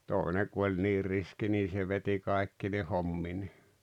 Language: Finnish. toinen kun oli niin riski niin se veti kaikkine hommineen